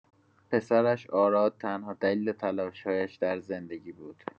پسرش، آراد، تنها دلیل تلاش‌هایش در زندگی بود.